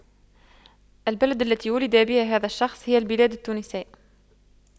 البلد التي ولد بها هذا الشخص هي البلاد التونسية